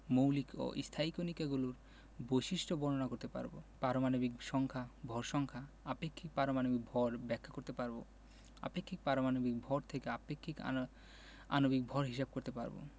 মৌলের ইংরেজি ও ল্যাটিন নাম থেকে তাদের প্রতীক লিখতে পারব মৌলিক ও স্থায়ী কণিকাগুলোর বৈশিষ্ট্য বর্ণনা করতে পারব পারমাণবিক সংখ্যা ভর সংখ্যা আপেক্ষিক পারমাণবিক ভর ব্যাখ্যা করতে পারব আপেক্ষিক পারমাণবিক ভর থেকে আপেক্ষিক আণবিক ভর হিসাব করতে পারব